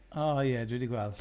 O ie, dwi 'di gweld.